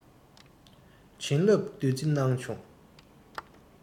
བྱིན བརླབས བདུད རྩི གནང བྱུང